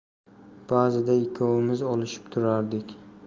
ba'zida ikkivomiz olishib turar edik